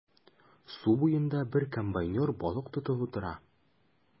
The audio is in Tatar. Су буенда бер комбайнер балык тотып утыра.